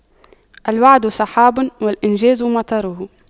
الوعد سحاب والإنجاز مطره